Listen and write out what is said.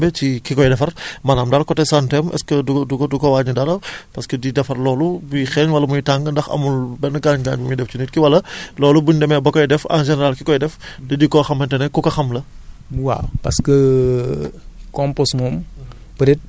li nga fi expliqué nii est ce que du am re retombé ci ki koy defar maanaam daal côté santeem est ce que du ko du ko du ko wàññi dara parce que di defar loolu muy xeeñ wala muy tàng ndax amul benn gaañ-gaañ bu muy def ci nit ki wala loolu buñ demee ba koy def en général ki koy def da di koo xamante ne ku ko xam la